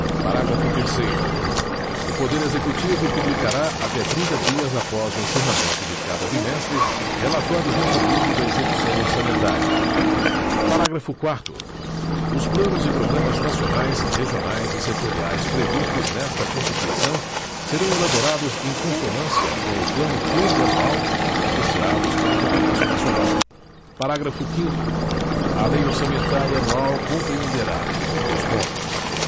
parágrafo terceiro o poder executivo publicará até trinta dias após o encerramento de cada bimestre relatório resumido da execução orçamentária parágrafo quarto os planos e programas nacionais regionais e setoriais previstos nesta constituição serão elaborados em consonância com o plano plurianual e apreciados pelo congresso nacional parágrafo quinto a lei orçamentária anual compreenderá dois pontos